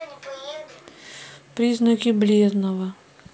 признаки бледного